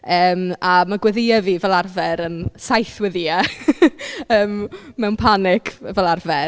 Yym a ma' gweddïau fi fel arfer yn saith weddïau yym mewn panig fel arfer.